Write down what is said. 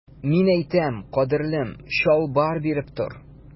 Мин әйтәм, кадерлем, чалбар биреп тор.